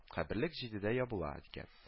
Каберлек җидедә ябыла дигән